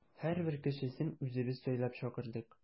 Һәрбер кешесен үзебез сайлап чакырдык.